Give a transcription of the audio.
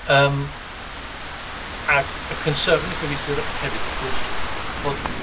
Yym ag y concern y cyfieithwyr hefyd wrth gwrs bod